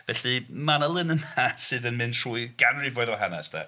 Felly ma' 'na linynau sy'n mynd trwy ganrifoedd o hanes de.